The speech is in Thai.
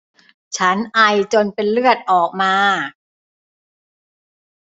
ฉันไอจนเป็นเลือดออกมา